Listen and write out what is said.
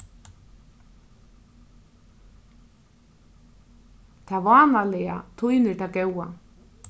tað vánaliga týnir tað góða